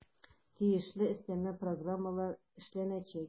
Тиешле өстәмә программалар эшләнәчәк.